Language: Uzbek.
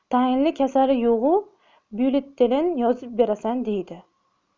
tayinli kasali yo'g'u byulleten berasan deydi